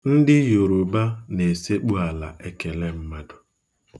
Ndị Yoroba na-esekpu ala ekele mmadụ.